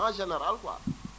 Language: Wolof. en général quoi